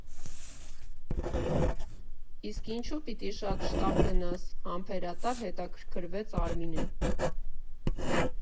Իսկ ինչու՞ պիտի շատ շտապ գնաս, ֊ համբերատար հետաքրքրվեց Արմինեն։